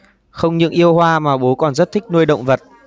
không những yêu hoa mà bố còn rất thích nuôi động vật